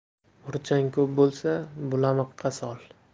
murching ko'p bo'lsa bulamiqqa sol